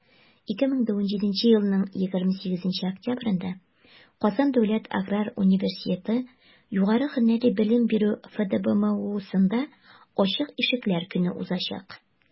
2017 елның 28 октябрендә «казан дәүләт аграр университеты» югары һөнәри белем бирү фдбмусендә ачык ишекләр көне узачак.